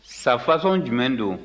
sa fasɔn jumɛn don